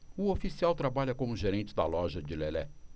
o oficial trabalha como gerente da loja de lelé